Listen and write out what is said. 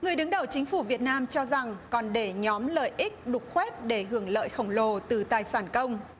người đứng đầu chính phủ việt nam cho rằng còn để nhóm lợi ích đục khoét để hưởng lợi khổng lồ từ tài sản công